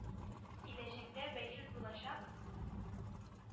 Иләчәктә бәйсез булачак